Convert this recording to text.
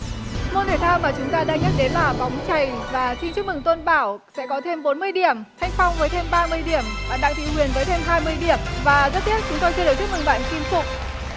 môn thể thao mà chúng ta đang nhắc đến là bóng chày và xin chúc mừng tôn bảo sẽ có thêm bốn mươi điểm thanh phong với thêm ba mươi điểm bạn đặng thị huyền với thêm hai mươi điểm và rất tiếc chúng tôi chưa được chúc mừng bạn kim phụng